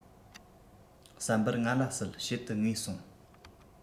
བསམ པར ང ལ སྲིད ཕྱེད དུ ངུས སོང